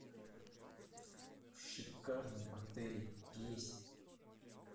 в шикарном отеле песня